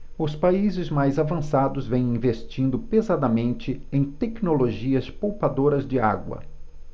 os países mais avançados vêm investindo pesadamente em tecnologias poupadoras de água